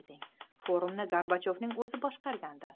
forumni gorbachevning o'zi boshqargan edi